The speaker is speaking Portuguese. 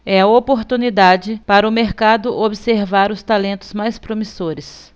é a oportunidade para o mercado observar os talentos mais promissores